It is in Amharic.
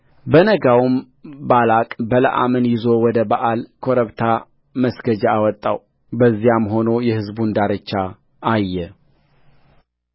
በነጋውም ባላቅ በለዓምን ይዞ ወደ በኣል ኮረብታ መስገጃ አወጣው በዚያም ሆኖ የሕዝቡን ዳርቻ አየ